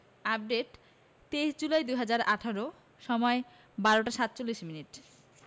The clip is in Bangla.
আপডেট ২৩ জুলাই ২০১৮ সময়ঃ ১২টা ৪৭মিনিট